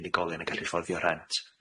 unigolion yn gallu fforddio rhent,